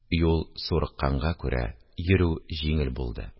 Юл сурыкканга күрә, йөрү җиңел булды